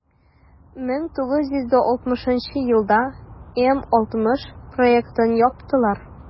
1960 елда м-60 проектын яптылар.